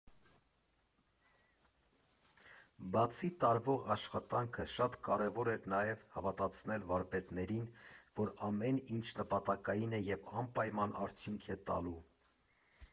Բացի տարվող աշխատանքը, շատ կարևոր էր նաև հավատացնել վարպետներին, որ ամեն ինչ նպատակային է և անպայման արդյունք է տալու։